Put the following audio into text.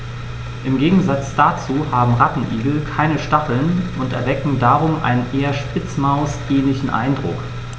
Im Gegensatz dazu haben Rattenigel keine Stacheln und erwecken darum einen eher Spitzmaus-ähnlichen Eindruck.